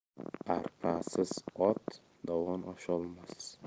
arpasiz ot dovon osholmas